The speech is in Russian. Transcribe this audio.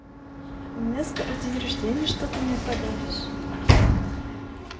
а у меня скоро день рождения что ты мне подаришь